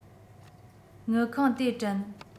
དངུལ ཁང དེ དྲན